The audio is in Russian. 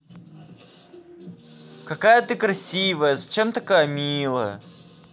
какая ты красивая зачем такая милая